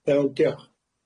Iawn dioch.